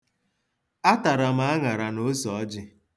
Atara m aṅara na ose ọjị.